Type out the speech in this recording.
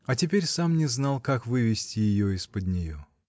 А теперь сам не знал, как вывести ее из-под нее.